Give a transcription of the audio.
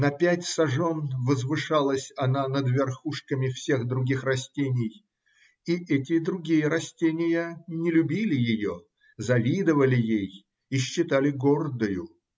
На пять сажен возвышалась она над верхушками всех других растений, и эти другие растения не любили ее, завидовали ей и считали гордою.